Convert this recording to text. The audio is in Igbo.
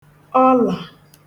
ọlà